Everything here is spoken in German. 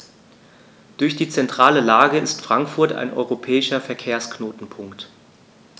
Durch die zentrale Lage ist Frankfurt ein europäischer Verkehrsknotenpunkt.